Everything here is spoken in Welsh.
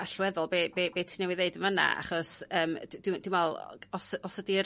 allweddol be be be ti newydd ddeud yn fana achos yym dwi dwi me'l os os ydi'r